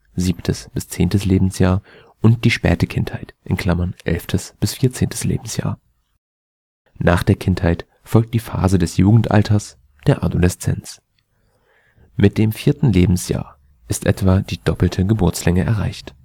7. – 10. Lebensjahr) und die späte Kindheit (11. – 14. Lebensjahr). Nach der Kindheit folgt die Phase des Jugendalters, der Adoleszenz. Mit dem 4. Lebensjahr ist etwa die doppelte Geburtslänge erreicht